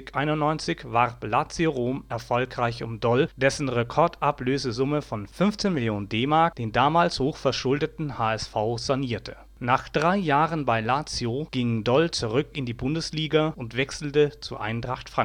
91 warb Lazio Rom erfolgreich um Doll, dessen Rekordablösesumme von 15 Mio. DM den damals hoch verschuldeten HSV sanierte. Nach drei Jahren bei Lazio ging Doll zurück in die Bundesliga und wechselte zu Eintracht